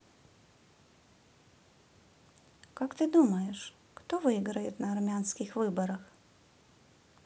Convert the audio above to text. как ты думаешь кто выиграет на армянских выборах